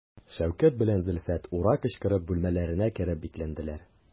Шәүкәт белән Зөлфәт «ура» кычкырып бүлмәләренә кереп бикләнделәр.